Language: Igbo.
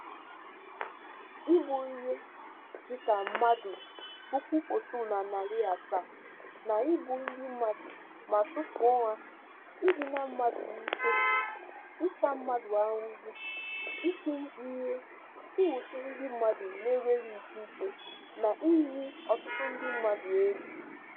Igbu ihe dịka mmadụ 1,700 na igbu ndị mmadụ ma tufuo ha, idina mmadụ n'ike, ịta mmadụ ahụhụ, iti ihe, nwụchi ndị mmadụ n'enweghị ikike, na iyi ọtụtụ ndị mmadụ egwu.